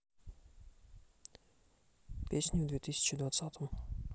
песни в две тысячи двадцатом